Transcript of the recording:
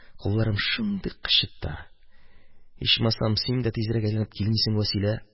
Кулларым шундый кычыта, ичмасам, син дә тизрәк әйләнеп килмисең, Вәсилә!